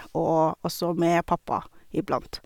Og også med pappa, iblant.